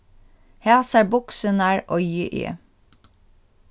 hasar buksurnar eigi eg